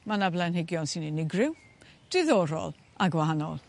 ma' 'na blanhigion sy'n unigryw diddorol a gwahanol.